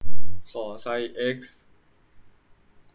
ขอไซส์เอ็กซ์